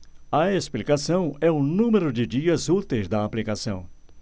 a explicação é o número de dias úteis da aplicação